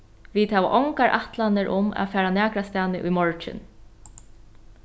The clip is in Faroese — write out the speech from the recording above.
vit hava ongar ætlanir um at fara nakrastaðni í morgin